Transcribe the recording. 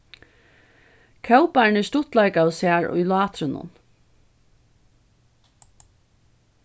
kóparnir stuttleikaðu sær í látrinum